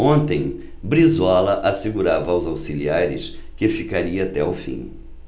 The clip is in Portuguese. ontem brizola assegurava aos auxiliares que ficaria até o fim